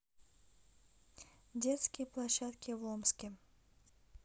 детские площадки в омске